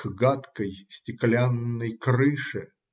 к гадкой стеклянной крыше.